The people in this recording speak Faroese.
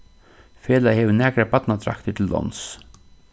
felagið hevur nakrar barnadraktir til láns